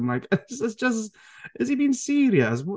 I'm like..."this is just... is he being serious?"